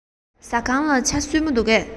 ཟ ཁང ལ ཇ སྲུབས མ འདུག གས